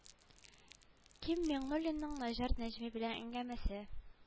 Ким миңнуллинның наҗар нәҗми белән әңгәмәсе